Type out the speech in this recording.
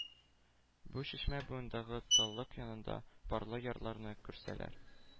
Бу чишмә буендагы таллык янында парлы ярларны күрсәләр,